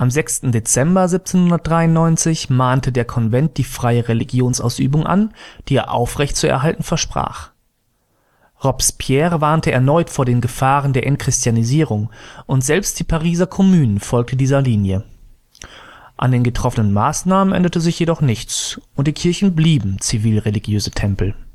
6. Dezember 1793 mahnte der Konvent die freie Religionsausübung an, die er aufrecht zu erhalten versprach. Robespierre warnte erneut vor den Gefahren der Entchristianisierung, und selbst die Pariser commune folgte dieser Linie. An den getroffen Maßnahmen änderte sich jedoch nichts, und die Kirchen blieben zivilreligiöse Tempel